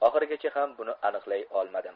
oxirigacha ham buni aniqlay olmadim